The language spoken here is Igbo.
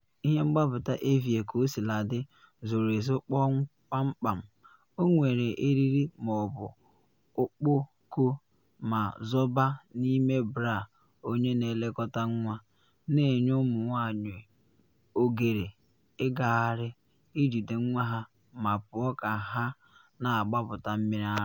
Ihe Mgbapụta Elvie kaosiladị, zoro ezo kpamkpam, ọ nwere eriri ma ọ bụ okpoko ma zobaa n’ime bra onye na elekọta nwa, na enye ụmụ nwanyị ogere ịgagharị, jide nwa ha, ma pụọ ka ha na agbapụta mmiri ara.